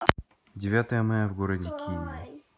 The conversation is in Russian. девятое мая в городе киеве